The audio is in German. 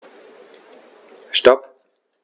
Stop.